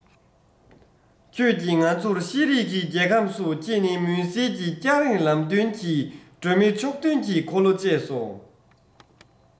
ཁྱེད ཀྱིས ང ཚོར ཤེས རིག གི རྒྱལ ཁམས སུ ཁྱེད ནི མུན སེལ གྱི སྐྱ རེངས ལམ སྟོན གྱི སྒྲོན མེ ཕྱོགས སྟོན གྱི འཁོར ལོ བཅས སོ